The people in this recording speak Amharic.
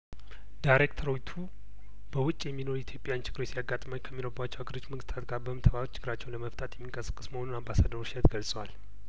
ዳይሬክቶሮይቱ በውጭ የሚኖሩ ኢትዮጵያውያን ችግሮች ሲያጋጥሟቸው ከሚኖሩባቸው አገሮች መንግስታት ጋር በመተባበር ችግራቸውን ለመፍታት የሚንቀሳቀስ መሆኑን አምባሳደር ውብሸት ገልጸዋል